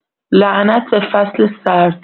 لعنت به فصل سرد